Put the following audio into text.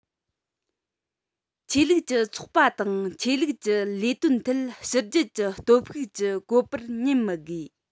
ཆོས ལུགས ཀྱི ཚོགས པ དང ཆོས ལུགས ཀྱི ལས དོན ཐད ཕྱི རྒྱལ གྱི སྟོབས ཤུགས ཀྱི བཀོད པར ཉན མི དགོས